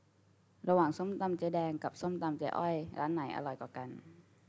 ระหว่างส้มตำเจ๊แดงกับส้มตำเจ๊อ้อยร้านไหนอร่อยกว่ากัน